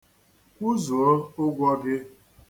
Kwụzuo ụgwọ gị.